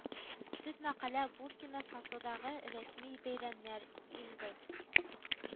Төп мәкалә Буркина Фасодагы рәсми бәйрәмнәр ингл